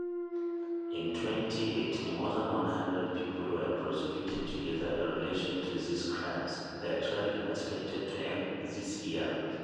In 2018, more than one hundred people were prosecuted together in relation to these crimes. Their trial is expected to end this year.